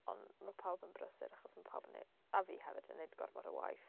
Ond ma' pawb yn brysur achos ma' pawb yn neu-... a fi hefyd, yn wneud gormod o waith.